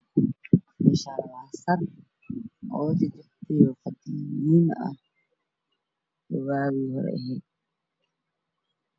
Meshan waa sar jajaban oo qadimi ah oo wagii hore ehed